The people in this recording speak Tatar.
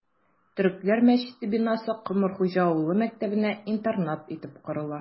Төрекләр мәчете бинасы Комыргуҗа авылы мәктәбенә интернат итеп корыла...